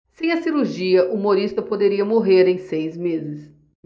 sem a cirurgia humorista poderia morrer em seis meses